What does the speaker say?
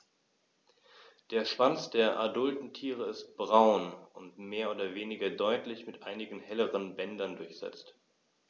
Der Schwanz der adulten Tiere ist braun und mehr oder weniger deutlich mit einigen helleren Bändern durchsetzt.